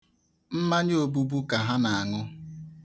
Mmanya obubu ka ha na-aṅụ .